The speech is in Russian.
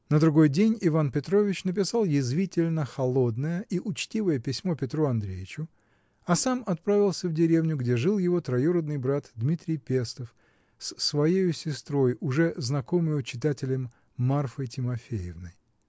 На другой день Иван Петрович написал язвительно холодное и учтивое письмо Петру Андреичу, а сам отправился в деревню, где жил его троюродный брат Дмитрий Пестов с своею сестрой, уже знакомою читателям, Марфой Тимофеевной.